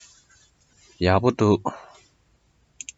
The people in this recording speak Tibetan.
ཡག པོ འདུག